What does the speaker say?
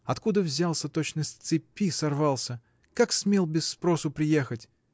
— Откуда взялся, точно с цепи сорвался! Как смел без спросу приехать?